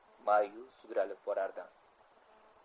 ma'yus sudralib borardi